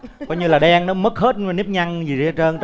coi như là đen nó mất hết nếp nhăn gì hết trơn